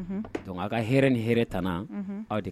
A ka h ni h hɛrɛ tan